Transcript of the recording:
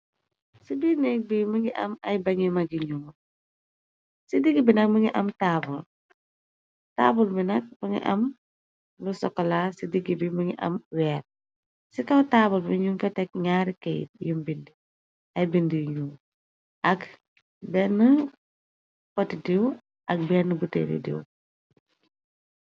Ci bi neek bi mingi am ay bangi magi ñuul, ci digg bi nak mi ngi am taabul, taabul bi nak bangi am lu sokola ci digg bi mi ngi am weer, ci kaw taabal biñu fe tek ñaari keyt yum bindi, ay bind yu nuul ak benn poti diiw ak bénn buteridio.